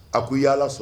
A ko i yaala sɔn